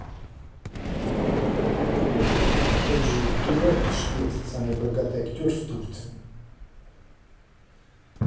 как живет дурак и швец самый богатый актер в турции